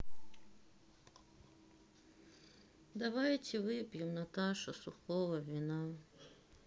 давайте выпьем наташа сухого вина